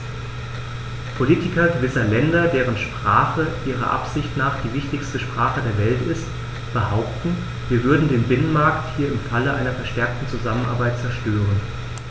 Politiker gewisser Länder, deren Sprache ihrer Ansicht nach die wichtigste Sprache der Welt ist, behaupten, wir würden den Binnenmarkt hier im Falle einer verstärkten Zusammenarbeit zerstören.